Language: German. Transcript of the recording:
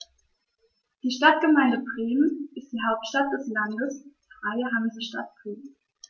Die Stadtgemeinde Bremen ist die Hauptstadt des Landes Freie Hansestadt Bremen.